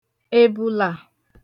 èbùlà